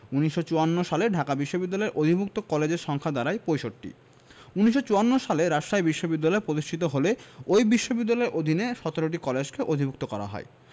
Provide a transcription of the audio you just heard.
১৯৫৪ সালে ঢাকা বিশ্ববিদ্যালয়ের অধিভুক্ত কলেজের সংখ্যা দাঁড়ায় ৬৫ ১৯৫৪ সালে রাজশাহী বিশ্ববিদ্যালয় প্রতিষ্ঠিত হলে ওই বিশ্ববিদ্যালয়ের অধীনে ১৭টি কলেজকে অধিভুক্ত করা হয়